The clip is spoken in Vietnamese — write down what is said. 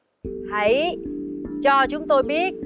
hãy cho chúng tôi biết